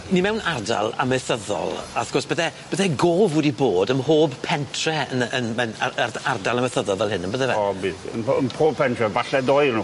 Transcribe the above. Ni mewn ardal amaethyddol a wrth gwrs bydde bydde gof wedi bod ym mhob pentre yn y yn ben- ar- ar- ardal amaethyddol fel hyn on' bydde fe? O bydd- yn po- yn pob pentre, falle doi o' nw.